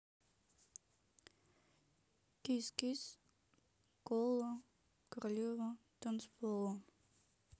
кис кис кола королева танцпола